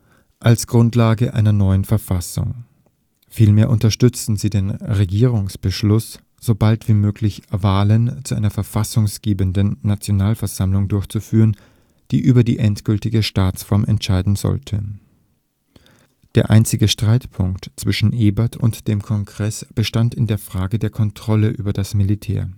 als Grundlage einer neuen Verfassung. Vielmehr unterstützten sie den Regierungsbeschluss, so bald wie möglich Wahlen zu einer verfassunggebenden Nationalversammlung durchzuführen, die über die endgültige Staatsform entscheiden sollte. Der einzige Streitpunkt zwischen Ebert und dem Kongress bestand in der Frage der Kontrolle über das Militär. Der